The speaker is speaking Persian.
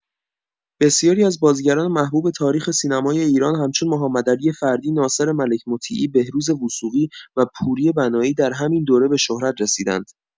بسیاری از بازیگران محبوب تاریخ سینمای ایران همچون محمدعلی فردین، ناصر ملک‌مطیعی، بهروز وثوقی و پوری بنایی در همین دوره به شهرت رسیدند.